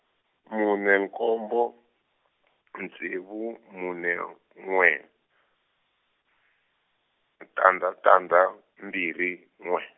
mune nkombo ntsevu mune n'we, tandza tandza mbirhi n'we.